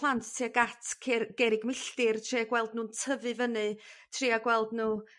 plant tuag at cer- gerrig milltir trio'u gweld nw'n tyfu fyny tria gweld nhw